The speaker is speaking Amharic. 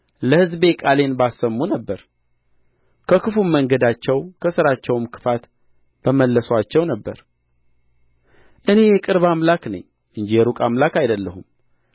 ለሕዝቤ ቃሌን ባሰሙ ነበር ከክፉም መንገዳቸው ከሥራቸውም ክፋት በመለሱአቸው ነበር እኔ የቅርብ አምላክ ነኝ እንጂ የሩቅ አምላክ አይደለሁም